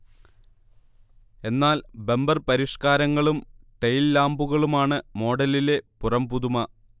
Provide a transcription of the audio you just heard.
എന്നാൽ ബമ്പർ പരിഷ്കാരങ്ങളും ടെയിൽ ലാമ്പുകളുമാണ് മോഡലിലെ പുറംപുതുമ